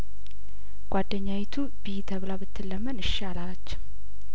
ጓደኛዪቱ ብዪ ተብላ ብትለመን እሺ አላለች